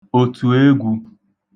òtùegwū